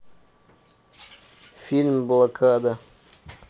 фильм блокада